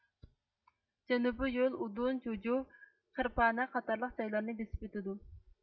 جەنۇبىي يول ئۇدۇن جۇجۇف قىرپانە قاتارلىق جايلارنى بېسىپ ئۆتىدۇ